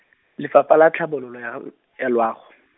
Lefapha la Tlhabololo ya L-, ya Loago.